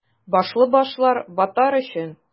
Башлы башлар — ватар өчен!